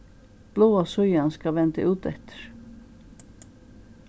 bláa síðan skal venda úteftir